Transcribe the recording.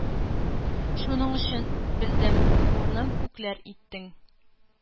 Шуның өчен, белдем, урным күкләр иттең.